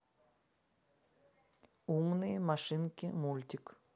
умные машинки мультик